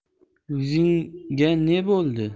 yuzingga ne bo'ldi